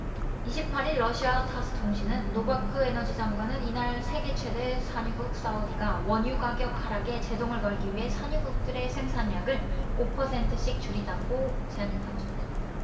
이십 팔 일 러시아 타스 통신은 노바크 에너지장관은 이날 세계 최대 산유국 사우디가 원유가격 하락에 제동을 걸기 위해 산유국들에 생산량을 오 퍼센트씩 줄이자고 제안했다고 전했다